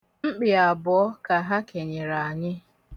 Mkpị abụọ ka ha kenyere anyị.